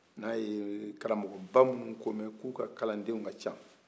n'a ye karamɔkɔba minnu ko mɛn k'u ka kalandenw ka ca